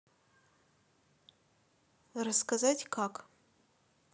рассказать как